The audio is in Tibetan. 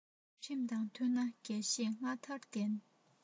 ཁྲིམས དང མཐུན ན རྒྱལ གཞིས མངའ ཐང ལྡན